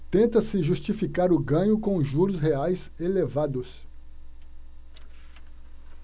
tenta-se justificar o ganho com os juros reais elevados